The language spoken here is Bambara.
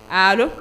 A